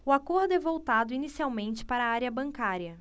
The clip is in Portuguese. o acordo é voltado inicialmente para a área bancária